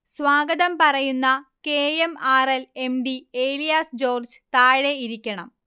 സ്വാഗതം പറയുന്ന K. M. R. L. M. D Elias George താഴെ ഇരിക്കണം